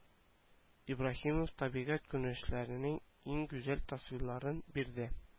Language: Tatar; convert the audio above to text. Ибраһимов табигать күренешләренең иң гүзәл тасвирларын бирде